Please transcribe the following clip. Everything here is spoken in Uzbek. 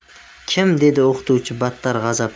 kim dedi o'qituvchi battar g'azablanib